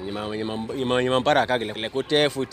Baara a ka gɛlɛ ko tɛ foyi